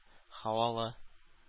Һавалы